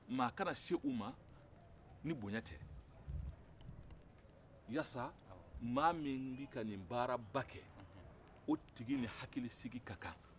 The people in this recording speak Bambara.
maa kana se u ma ni boɲa tɛ walasa maa min bɛka nin baaraba kɛ o tigi ni hakilisigi ka kan